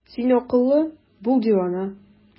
Син акыллы, бул дивана!